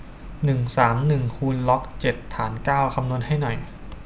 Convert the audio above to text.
หนึ่งสามหนึ่งคูณล็อกเจ็ดฐานเก้าคำนวณให้หน่อย